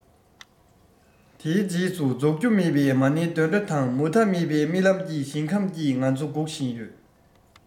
དེའི རྗེས སུ རྫོགས རྒྱུ མེད པའི མ ཎིའི འདོན སྒྲ དང མུ མཐའ མེད པའི རྨི ལམ གྱི ཞིང ཁམས ཀྱིས ང ཚོ སྒུག བཞིན ཡོད